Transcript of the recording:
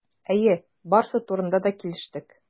Әйе, барысы турында да килештек.